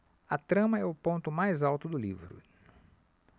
a trama é o ponto mais alto do livro